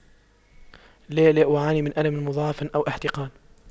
لا لا أعاني من ألم مضاعف أو احتقان